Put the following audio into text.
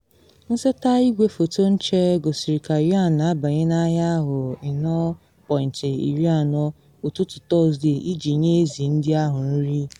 Nseta igwefoto nche gosiri ka Yuan na abanye n’ahịa ahụ 4:40 ụtụtụ Tọsde iji nye ezi ndị ahụ nri.